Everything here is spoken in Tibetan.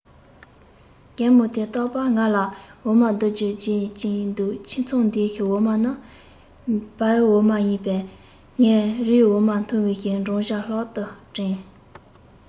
རྒན མོ དེས རྟག པར ང ལ འོ མ ལྡུད རྒྱུ རྗེད ཀྱིན འདུག ཁྱིམ ཚང འདིའི འོ མ ནི བའི འོ མ ཡིན པས ངས རའི འོ མ འཐུང བའི བགྲང བྱ ལྷག ཏུ དྲན